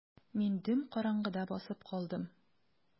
Мин дөм караңгыда басып калдым.